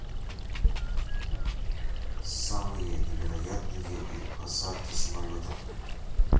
самые невероятные посадки самолетов